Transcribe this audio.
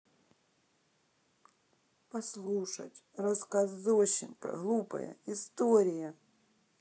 послушать рассказ зощенко глупая история